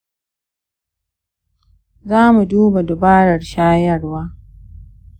za mu duba dabarar shayarwa